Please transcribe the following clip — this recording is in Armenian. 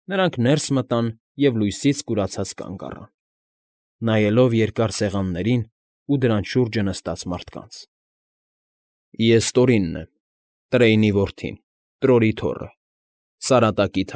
Նրանք ներս մտան և լույսից կուրացած կանգ առան՝ նայելով երկար սեղաններին ու դրանց շուրջը նստած մարդկանց։ ֊ Ես Տորինն եմ, Տրեյնի որդին, Տրորի թոռը, Սարատակի։